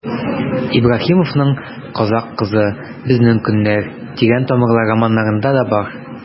Ибраһимовның «Казакъ кызы», «Безнең көннәр», «Тирән тамырлар» романнарында да бар.